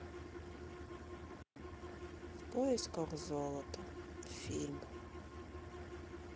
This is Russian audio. в поисках золота фильм